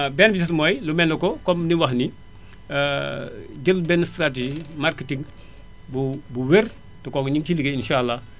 beneen bi ci des mooy lu mel ne que comme li mu wax ni jël benn stratégie marketing bu bu wér te kooku ñu ngi ciy liggéey insaa allaa